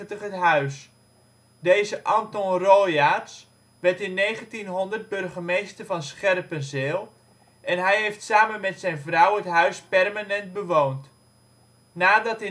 het huis. Deze Anton Royaards werd in 1900 burgemeester van Scherpenzeel en hij heeft samen met zijn vrouw het huis permanent bewoond. Nadat